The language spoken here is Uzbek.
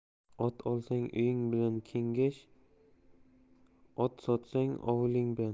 ot olsang uying bilan kengash ot sotsang ovuling bilan